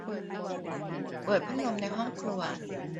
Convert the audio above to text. เปิดพัดลมในห้องครัว